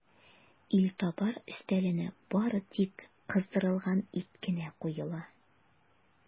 Илтабар өстәленә бары тик кыздырылган ит кенә куела.